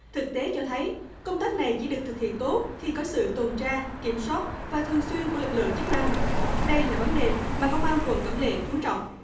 thực tế cho thấy công tác này chỉ được thực hiện tốt khi có sự tuần tra kiểm soát và thường xuyên của lực lượng chức năng đây là vấn đề mà công an quận cẩm lệ chú trọng